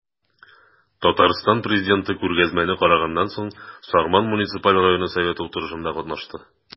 Татарстан Президенты күргәзмәне караганнан соң, Сарман муниципаль районы советы утырышында катнашты.